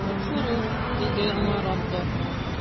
Тапшырыр, - диде аңа Раббы.